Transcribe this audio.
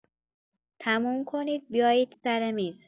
تموم کنید بیایید سر میز.